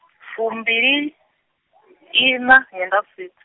fumbiliiṋa nyendavhusiku.